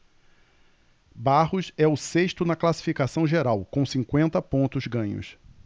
barros é o sexto na classificação geral com cinquenta pontos ganhos